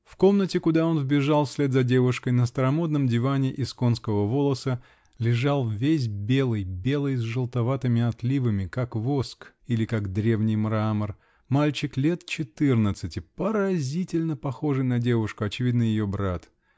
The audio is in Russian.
В комнате, куда он вбежал вслед за девушкой, на старомодном диване из конского волоса лежал, весь белый -- белый с желтоватыми отливами, как воск или как древний мрамор, -- мальчик лет четырнадцати, поразительно похожий на девушку, очевидно ее брат.